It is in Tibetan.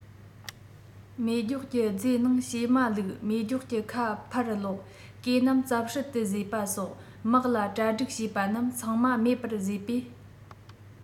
མེ སྒྱོགས ཀྱི རྫས ནང བྱེ མ བླུགས མེ སྒྱོགས ཀྱི ཁ ཕར སློག གོས རྣམས རྩབ ཧྲལ དུ བཟོས པ སོགས དམག ལ གྲ སྒྲིག བྱས པ རྣམས ཚང མ མེར པར བཟོས པས